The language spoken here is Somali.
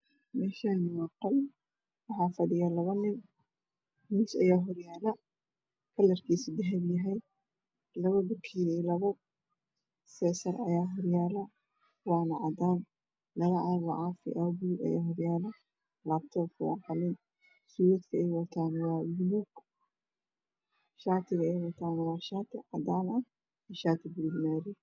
Meeshaani waa qol waxaa fadhiyo labo nin miis ayaa horyaalo kalarkiisa dahabi yahay labo bakeeri iyo labo feesar ayaa horyaalo waana cadaan labo caag oo caafi oo buluug ayaa horyaalo laabtoobka waa qalin suudadka ay wataana waa buluug shaatiga ay wataana waa shaati cadaan iyo shaati buluug maari